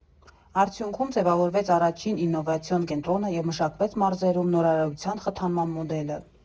Արդյունքում ձևավորվեց առաջին ինովացիոն կենտրոնը և մշակվեց մարզերում նորարարության խթանման մոդելը։